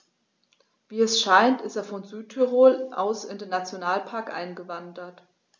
Wie es scheint, ist er von Südtirol aus in den Nationalpark eingewandert.